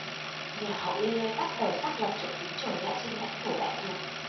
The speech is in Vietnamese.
nhà hậu lê bắt đầu xác lập chỗ đứng trở lại trên lãnh thổ đại việt